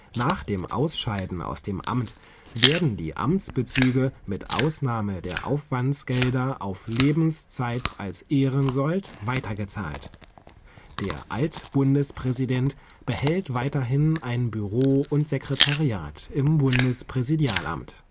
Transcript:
Nach dem Ausscheiden aus dem Amt werden die Amtsbezüge mit Ausnahme der Aufwandsgelder auf Lebenszeit als Ehrensold weitergezahlt. Der Altpräsident behält weiterhin ein Büro/Sekretariat im Bundespräsidialamt